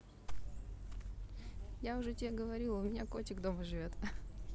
я уже тебе говорил у меня котик дома живет